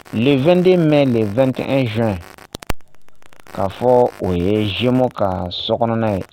Le 22 mais le 21 juin k'a fɔ o ye Gémo ka sokɔnɔna ye